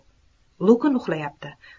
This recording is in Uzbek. lukn uxlayapti